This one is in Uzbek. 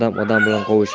odam odam bilan qovushar